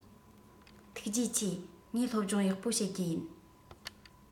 ཐུགས རྗེ ཆེ ངས སློབ སྦྱོང ཡག པོ བྱེད རྒྱུ ཡིན